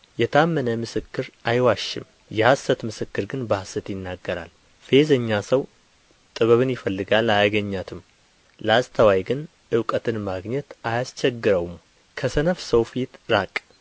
የታመነ ምስክር አይዋሽም የሐሰት ምስክር ግን በሐሰት ይናገራል ፌዘኛ ሰው ጥበብን ይፈልጋል አያገኛትም ለአስተዋይ ግን እውቀትን ማግኘት አያስቸግረውም ከሰነፍ ሰው ፊት ራቅ